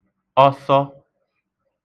ọsọ